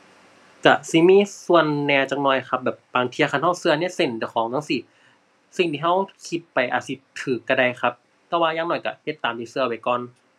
ก็สิมีส่วนแหน่จักหน่อยครับ แบบบางเที่ยคันก็ก็ในเซนส์เจ้าของจั่งซี้ สิ่งที่ก็คิดไปอาจสิก็ก็ได้ครับ แต่ว่าอย่างน้อยก็เฮ็ดตามที่ก็ไว้ก่อน